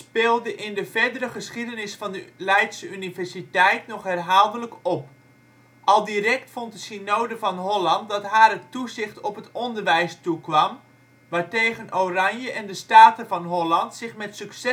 speelde in de verdere geschiedenis van de Leidse universiteit nog herhaaldelijk op. Al direct vond de Synode van Holland dat haar het toezicht op het onderwijs toekwam, waartegen Oranje en de Staten van Holland zich met succes